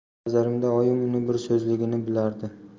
nazarimda oyim uni bir so'zligini bilar edi